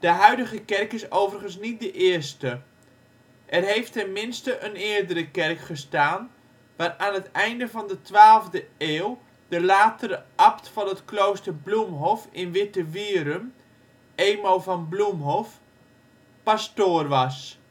huidige kerk is overigens niet de eerste. Er heeft tenminste een eerdere kerk gestaan, waar aan het einde van de twaalfde eeuw de latere abt van het klooster Bloemhof in Wittewierum, Emo van Bloemhof pastoor was